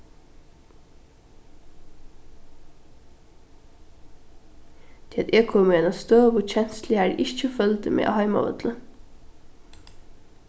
tí at eg kom í eina støðu kensluliga har eg ikki føldi meg á heimavølli